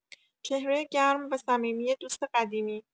چهره گرم و صمیمی دوست قدیمی